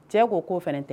Cɛ k ko ko fana tɛ